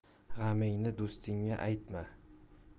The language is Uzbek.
g'amingni do'stingga aytma